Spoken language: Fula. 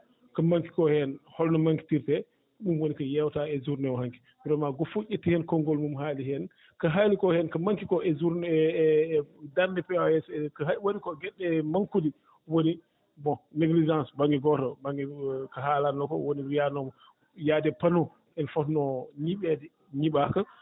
ko manque ki koo heen holno manque kitirtee ɗum woni ko yeewtaa e journée oo hanki vraiment gooto fof ƴetti heen konngol mum haali heen ko haali koo heen ko manque ki koo e journée hee e darnde POAS woni ko geɗe ɗee manque uɗe woni bon min néglisance baŋnge gooto oo baŋnge ko haalanoo koo woni wiiya noon y a des paneau ene fotnoo ñiiɓeede ñiiɓaaka